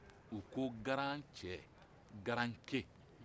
u ko garan cɛ garankɛ